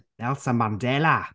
Nelson Mandela.